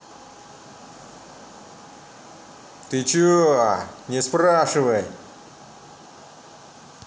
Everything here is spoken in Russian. ты че не спрашивай